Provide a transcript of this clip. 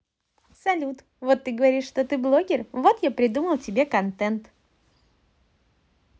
салют вот ты говоришь то что ты блогер вот я придумал тебе контент